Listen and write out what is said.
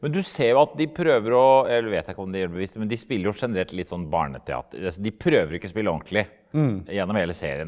men du ser jo at de prøver å eller det vet jeg ikke om de gjør bevisst men de spiller jo generelt litt sånn barneteater, altså de prøver ikke spille ordentlig gjennom hele serien.